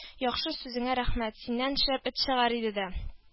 Яхшы сүзеңә рәхмәт. Синнән шәп эт чыгар иде дә